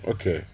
ok